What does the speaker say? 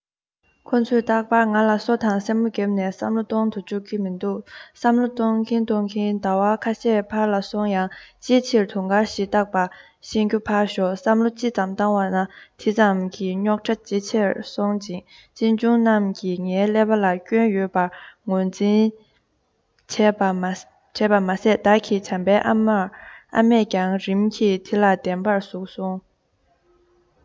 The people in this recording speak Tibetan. ཁོ ཚོས རྟག པར ང ལ སོ དང སེན མོ བརྒྱབ ནས བསམ བློ གཏོང དུ བཅུག གི མི འདུག བསམ བློ གཏོང གིན གཏོང གིན ཟླ བ ཁ ཤས ཕར ལ སོང ཡང ཅིའི ཕྱིར དུང དཀར ཞེས བཏགས པ ཤེས རྒྱུ ཕར ཞོག བསམ བློ ཅི ཙམ བཏང བ ན དེ ཙམ གྱིས རྙོག དྲ ཇེ ཆེར སོང གཅེན གཅུང རྣམས ཀྱིས ངའི ཀླད པ ལ སྐྱོན ཡོད པར ངོས འཛིན བྱས པ མ ཟད བདག གི བྱམས པའི ཨ མས ཀྱང རིམ གྱིས དེ ལ བདེན པར བཟུང སོང